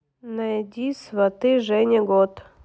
найди сваты женя гот